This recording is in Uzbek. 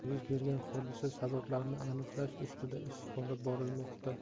yuz bergan hodisa sabablarini aniqlash ustida ish olib borilmoqda